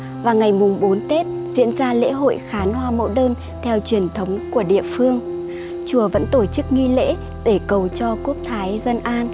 vào ngày mùng tết diễn ra lễ hội theo truyền thống của địa phương chùa vẫn tổ chức nghi lễ để cầu cho quốc thái dân an